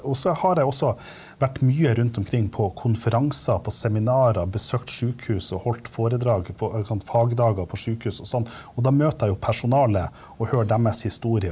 og så har jeg også vært mye rundt omkring på konferanser, på seminarer, besøkt sjukehus og holdt foredrag på, ikke sant, fagdager på sjukehus og sånn, og da møter jeg jo personalet og hører deres historier.